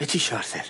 Be' tisio Arthur?